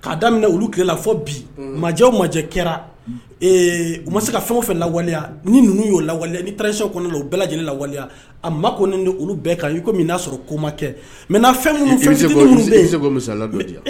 K kaa daminɛ olu tilela fɔ bi majɛw majɛ kɛra u ma se ka fɛn o fɛ lawaleya ni ninnu y' lawaleya ni parezsi kɔni u bɛɛ lajɛlen lawaleya a ma ko nin olu bɛɛ kan y'a sɔrɔ ko makɛ mɛ n fɛn bɛ masasala dɔ